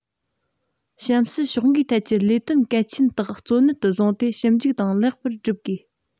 གཤམ གསལ ཕྱོགས འགའི ཐད ཀྱི ལས དོན གལ ཆེན དག གཙོ གནད དུ བཟུང སྟེ ཞིབ འཇུག དང ལེགས པར བསྒྲུབ དགོས